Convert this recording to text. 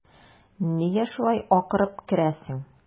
Нигә шулай акырып керәсең?